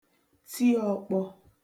ti ọ̀kpọ